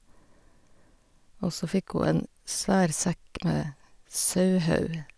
Og så fikk hun en svær sekk med sauhau.